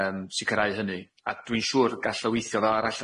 yym sicirau hynny a dwi shŵr gall o weithio fel arall